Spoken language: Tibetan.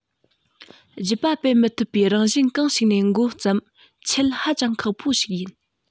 རྒྱུད པ སྤེལ མི ཐུབ པའི རང བཞིན གང ཞིག ནས མགོ བརྩམས འཆད ཧ ཅང ཁག པོ ཞིག ཡིན